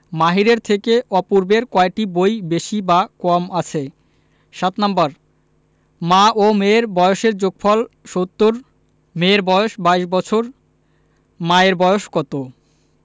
মাহিরের থেকে অপূর্বের কয়টি বই বেশি বা কম আছে ৭ নাম্বার মা ও মেয়ের বয়সের যোগফল ৭০ মেয়ের বয়স ২২ বছর মায়ের বয়স কত